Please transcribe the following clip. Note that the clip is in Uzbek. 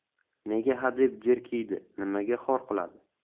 nega hadeb jerkiydi nimaga xor qiladi